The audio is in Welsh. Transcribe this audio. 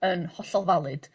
yn hollol valid.